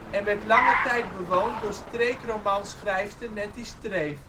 en werd lange tijd bewoond door streekromanschrijfster Netty Streef